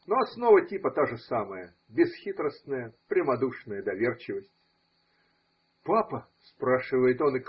– но основа типа та же самая – бесхитростная, прямодушная доверчивость. – Папа! – спрашивает он.